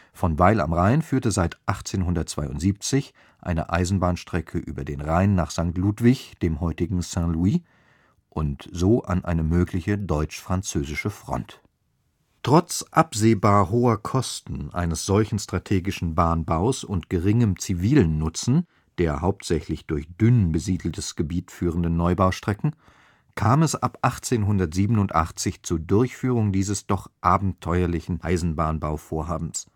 Von Weil am Rhein führte seit 1872 eine Eisenbahnstrecke über den Rhein nach Sankt Ludwig, dem heutigen Saint Louis, und so an eine mögliche deutsch-französische Front. Brücke bei Epfenhofen Trotz absehbar hoher Kosten eines solchen strategischen Bahnbaus und geringem zivilen Nutzen der hauptsächlich durch dünn besiedeltes Gebiet führenden Neubaustrecken kam es ab 1887 zur Durchführung dieses doch abenteuerlichen Eisenbahnbau-Vorhabens